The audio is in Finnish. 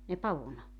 ne pavun